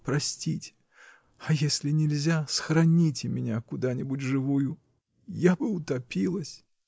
простите, а если нельзя, схороните меня куда-нибудь живую! Я бы утопилась.